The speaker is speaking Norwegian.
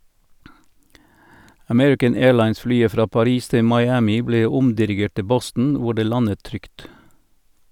American Airlines-flyet fra Paris til Miami ble omdirigert til Boston hvor det landet trygt.